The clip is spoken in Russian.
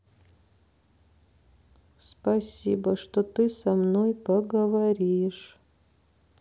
спасибо что ты со мной поговоришь